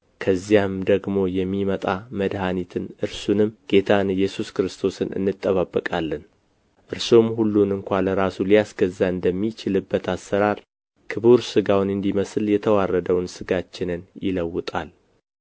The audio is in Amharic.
ከዚያም ደግሞ የሚመጣ መድኃኒትን እርሱንም ጌታን ኢየሱስ ክርስቶስን እንጠባበቃለን እርሱም ሁሉን እንኳ ለራሱ ሊያስገዛ እንደሚችልበት አሠራር ክቡር ሥጋውን እንዲመስል የተዋረደውን ሥጋችንን ይለውጣል